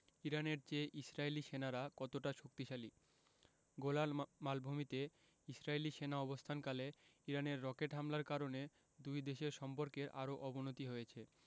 ইরানের চেয়ে ইসরায়েলি সেনারা কতটা শক্তিশালী গোলান মালভূমিতে ইসরায়লি সেনা অবস্থানকালে ইরানের রকেট হামলার কারণে দুই দেশের সম্পর্কের আরও অবনতি হয়েছে